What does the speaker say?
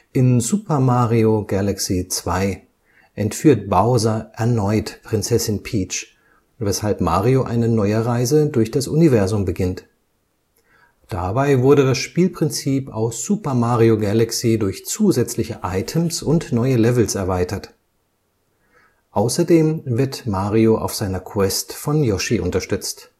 In Super Mario Galaxy 2 entführt Bowser erneut Prinzessin Peach, weshalb Mario eine neue Reise durch das Universum beginnt. Dabei wurde das Spielprinzip aus Super Mario Galaxy durch zusätzliche Items und neue Levels erweitert. Außerdem wird Mario auf seiner Queste von Yoshi unterstützt